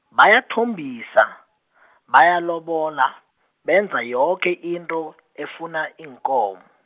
bayathombisa , bayalobola, benza yoke into, efuna ikomo.